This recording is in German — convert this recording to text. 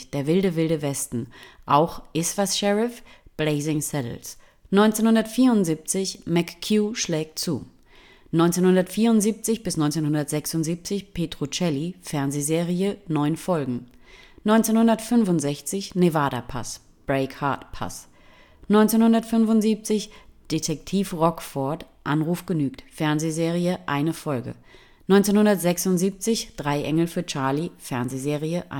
Der wilde wilde Westen (auch: Is was, Sheriff?) (Blazing Saddles) 1974: McQ schlägt zu (McQ) 1974 – 1976: Petrocelli (Fernsehserie, 9 Folgen) 1975: Nevada Pass (Breakheart Pass) 1975: Detektiv Rockford – Anruf genügt (Fernsehserie, 1 Folge) 1976: Drei Engel für Charlie (Fernsehserie